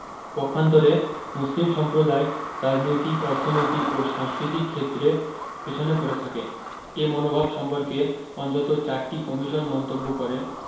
পক্ষান্তরে মুসলিম সম্প্রদায় রাজনৈতিক অর্থনৈতিক ও সাংস্কৃতিক ক্ষেত্রে পেছনে পড়ে থাকে এ মনোভাব সম্পর্কে অন্তত চারটি কমিশন মন্তব্য করে